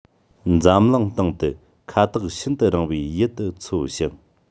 འཛམ གླིང སྟེང དུ ཁ ཐག ཤིན ཏུ རིང བའི ཡུལ དུ འཚོ ཞིང